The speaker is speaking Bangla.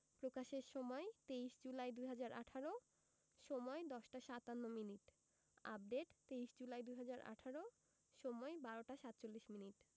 প্রকাশের সময়ঃ ২৩ জুলাই ২০১৮ সময়ঃ ১০টা ৫৭ মিনিট আপডেট ২৩ জুলাই ২০১৮ সময় ১২টা ৪৭ মিনিট